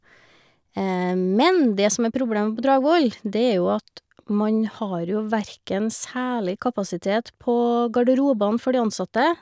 Men det som er problemet på Dragvoll, det er jo at man har jo verken særlig kapasitet på garderobene for de ansatte.